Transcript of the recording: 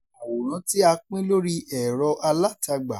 Àwòrán tí a pín lórí ẹ̀rọ-alátagbà.